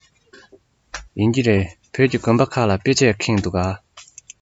ཡིན གྱི རེད བོད ཀྱི དགོན པ ཁག ལ དཔེ ཆས ཁེངས འདུག ག